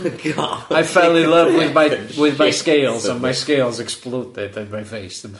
O my god, I fell in love with my with my scales and my scales exploded in my face neu beth bynnag.